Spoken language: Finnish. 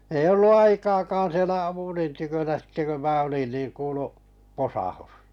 ei ollut aikaakaan siellä Apulin tykönä sitten kun minä olin niin kuului posahdus